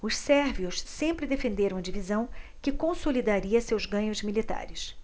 os sérvios sempre defenderam a divisão que consolidaria seus ganhos militares